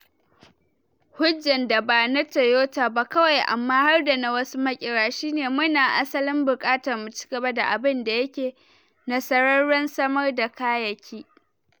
“Hujjan da ba na Toyota ba kawai amma har da na wasu makera shi ne mu na asalin bukatar mu ci gaba da abun da yake nasarraren samar da kayaki.”